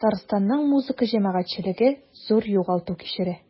Татарстанның музыка җәмәгатьчелеге зур югалту кичерә.